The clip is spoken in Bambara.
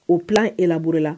O tila e laburu la